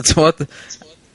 A t'mod?